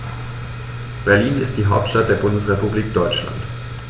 Berlin ist die Hauptstadt der Bundesrepublik Deutschland.